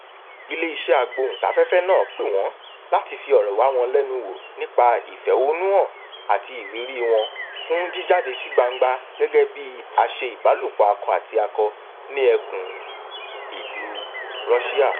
Ilé-iṣẹ́ agbóhùnsáfẹ́fẹ́ náà pè wọ́n láti fi ọ̀rọ̀ wá wọn lẹ́nu wò nípa ìfẹ̀hónúhàn àti ìrírí wọn fún jíjáde sí gbangba gẹ́gẹ́ bíi aṣe-ìbálòpọ̀-akọ-àti-akọ ní ẹ̀ka-ìlúu Russia.